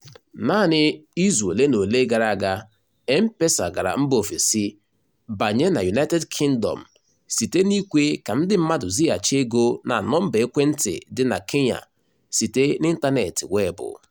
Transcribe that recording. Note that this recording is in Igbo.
Naanị izu ole na ole gara aga, M-Pesa gara mba ofesi, banye na United Kingdom site n'ikwe ka ndị mmadụ zighachi ego na nọmba ekwentị dị na Kenya site n'ịntaneetị weebụ.